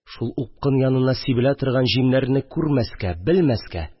Шул упкын янына сибелә торган җимнәрне күрмәскә, белмәскә